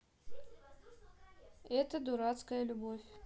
эта дурацкая любовь